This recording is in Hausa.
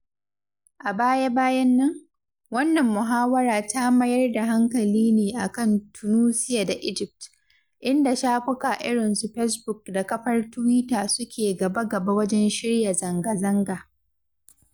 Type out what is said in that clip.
A baya-bayan nan, wannan muhawara ta mayar da hankali ne a kan Tuunusia da Egypt, inda shafuka irin su Fesbuk da kafar Tiwita suke gaba-gaba wajen shirya zanga-zanga.